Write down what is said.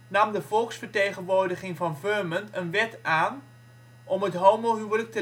nam de volksvertegenwoordiging van Vermont een wet aan om het homohuwelijk